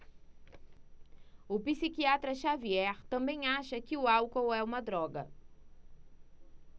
o psiquiatra dartiu xavier também acha que o álcool é uma droga